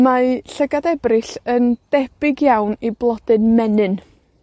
Mae Llygad Ebrill yn debyg iawn i Blodyn Menyn.